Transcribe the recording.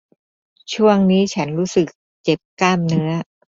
ช่วงนี้ฉันรู้สึกเจ็บกล้ามเนื้อ